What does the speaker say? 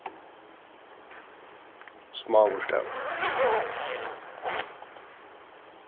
smáur stavur